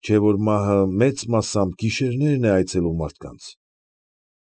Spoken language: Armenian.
Չէ՞ որ մահը մեծ մասամբ գիշերն է այցելում մարդկանց։